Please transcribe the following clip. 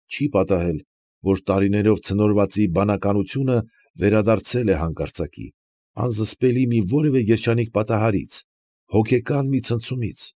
Չի՞ պատահել, որ տարիներով ցնորվածի բանականությունը վերադարձել է հանկարծակի, անզսպելի մի որևէ երջանիկ պատահարից, հոգեկան մի ցնցումից։